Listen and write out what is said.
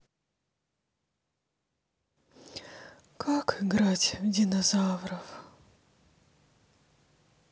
как играть в динозавров